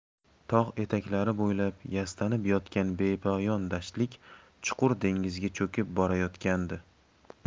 tog' etaklari bo'ylab yastanib yotgan bepoyon dashtlik chuqur dengizga cho'kib borayotgandi